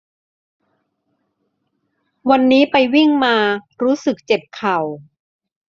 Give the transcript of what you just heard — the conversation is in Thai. วันนี้ไปวิ่งมารู้สึกเจ็บเข่า